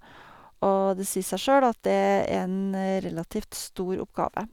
Og det sier seg sjøl at det er en relativt stor oppgave.